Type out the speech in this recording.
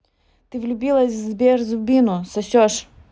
ты влюбилась в сбер зубину сосешь